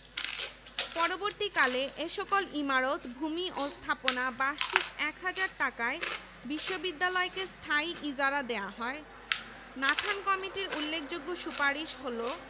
এবং অতিসত্বর বিশ্ববিদ্যালয়টি প্রতিষ্ঠার জন্য মত দেয় স্যাডলার কমিশনের উল্লেখযোগ্য সুপারিশ ১.ঢাকা বিশ্ববিদ্যালয়ের অধিভুক্তিকরণ ক্ষমতা থাকবে না